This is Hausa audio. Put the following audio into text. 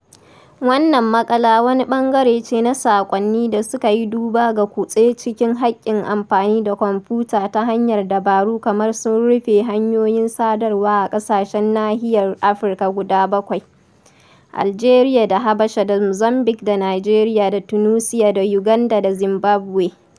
Wannan maƙala wani ɓangare ce na saƙonni da suka yi duba ga kutse cikin haƙƙin amfani da kwamfuta ta hanyar dabaru kamar sun rufe hanyoyin sadarwa a ƙasashen nahiyar Afirka guda bakwai: Aljeriya da Habasha da Muzambik da Nijeriya da Tunusiya da Yuganda da Zimbabwe.